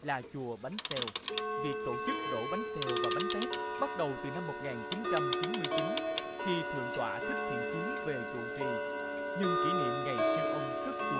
là chùa bánh xèo việc tổ chức đổ bánh xèo và bánh tét bắt đầu từ năm một ngàn chín trăm chín mươi chín khi thượng tọa thích thiện chí về trụ trì nhưng kỷ niệm ngày xưa ông tức chùa